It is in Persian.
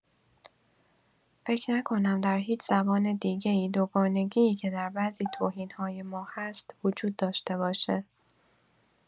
فکر نکنم در هیچ زبان دیگه‌ای دو گانگی‌ای که در بعضی توهین‌های ما هست، وجود داشته باشه.